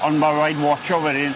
On' ma' raid watsio wedyn.